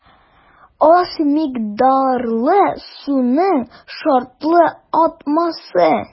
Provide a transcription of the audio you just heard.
Аз микъдарлы суның шартлы атамасы.